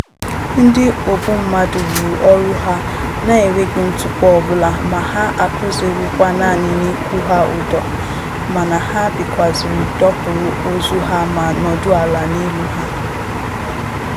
Ndị ogbummadụ rụrụ ọrụ ha na-enweghị ntụpọ ọbụla, ma ha akwụsịghịkwa naanị n'ịkwụ ha ụdọ, mana ha bịakwazịrị dọkpụrụ ozu ha ma nọdụ ala n'elu ha.